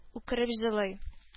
Үкереп җылый